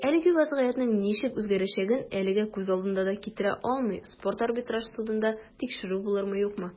Әлеге вәзгыятьнең ничек үзгәрәчәген әлегә күз алдына да китерә алмыйм - спорт арбитраж судында тикшерү булырмы, юкмы.